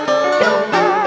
thương